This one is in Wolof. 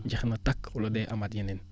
jeex na tàkk wala day amaat yeneen